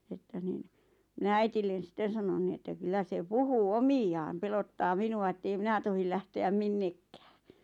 että niin minä äidille sitten sanoin niin että kyllä se puhuu - omiaan pelottaa minua että ei minä tohdi lähteä minnekään